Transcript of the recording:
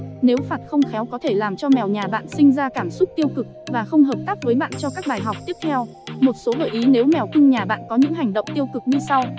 nếu phạt không khéo có thể làm cho mèo nhà bạn sinh ra cảm xúc tiêu cực và không hợp tác với bạn cho các bài học tiếp theo một số gợi ý nếu mèo cưng nhà bạn có những hành động tiêu cực như sau